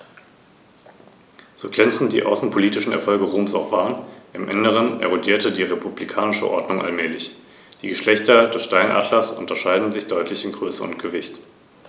Der Sieg über Karthago im 1. und 2. Punischen Krieg sicherte Roms Vormachtstellung im westlichen Mittelmeer.